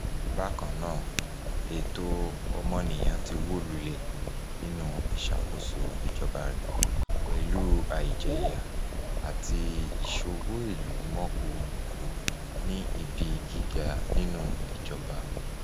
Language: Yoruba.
Bákan náà, ẹ̀tọ́ ọmọnìyàn ti wó lulẹ̀ nínú ìṣàkóso ìjọba rẹ̀, pẹ̀lú àìjẹ̀yà àti ìṣowó-ìlú-mọ̀kumọ̀ku ní ibi gíga nínú ìjọba.